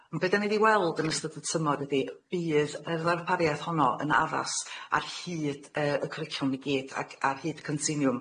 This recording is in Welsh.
On' be' 'dan ni 'di weld yn ystod y tymor ydi bydd yr ddarpariaeth honno yn addas ar hyd yy y cwricwlwm i gyd ac ar hyd y continwwm.